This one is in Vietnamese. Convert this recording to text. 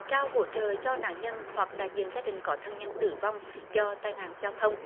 trao hỗ trợ cho nạn nhân hoặc đại diện gia đình có thân nhân tử vong do tai nạn giao thông